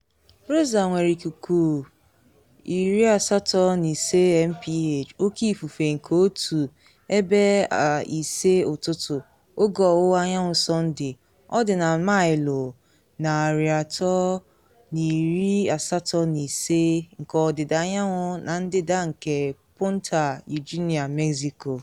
Rosa nwere ikuku 85 mph, Oke Ifufe nke Otu 1, ebe 5 ụtụtụ. Oge ọwụwa anyanwụ Sọnde, ọ dị na maịlụ 385 nke ọdịda anyanwụ na ndịda nke Punta Eugenia, Mexico.